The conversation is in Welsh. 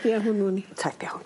...bia hwnnw'n... Teg iawn.